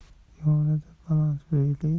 yonida baland bo'yli